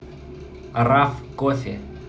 раф кофе